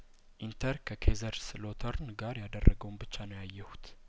ኢንተር ከኬዘርስሎተርን ጋር ያደረገውን ብቻ ነው ያየሁት